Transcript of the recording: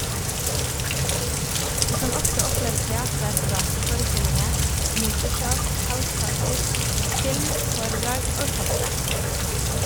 Du kan også oppleve teater- og danseforestillinger, moteshow, house-parties, film, foredrag og fester!